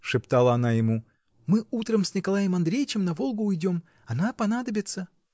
— шептала она ему, — мы утром с Николаем Андреичем на Волгу уйдем. она понадобится.